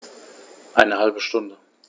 Eine halbe Stunde